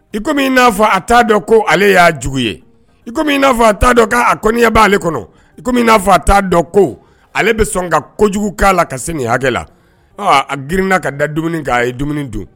I kɔmi min n'a fɔ a t'a dɔn ko ale y'a jugu ye i min n'a fɔ a t'a dɔn k'aya b'ale kɔnɔ i kɔmi n'a a t'a dɔn ko ale bɛ sɔn ka ko kojugu'a la ka se nin hakɛ la a girinina ka da dumuni' a ye dumuni dun